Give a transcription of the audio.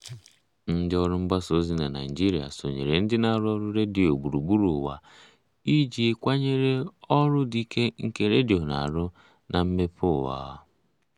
Ndị ọrụ mgbasa ozi na Naịjirịa sonyere ndị na-arụ ọrụ redio gburugburu ụwa iji kwanyere ọrụ dị ike nke redio na-arụ na mmepe ụwa.